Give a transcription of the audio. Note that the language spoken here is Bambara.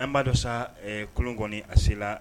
An b'a dɔ sa kolon kɔniɔni a selen la